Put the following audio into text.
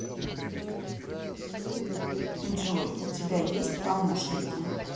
джой у тебя есть помошники